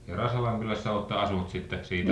ja Rasalan kylässä olette asunut sitten siitä lähtien